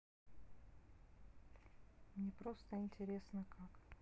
мне просто интересно как